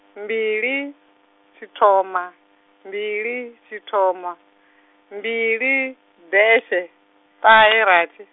mbili, tshithoma, mbili tshithoma, mbili, deshe, ṱahe rathi.